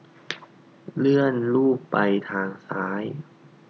เลื่อนรูปไปทางซ้าย